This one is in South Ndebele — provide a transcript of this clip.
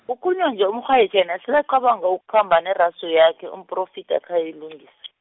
kukhulunywa nje uMakghwayeja yena selacabanga nokukhamba neraso yakhe, Umporofidi akhe ayoyilungisa.